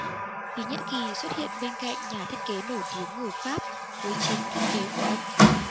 lý nhã kỳ xuất hiện bên cạnh nhà thiết kế nổi tiếng người pháp với chính thiết kế của ông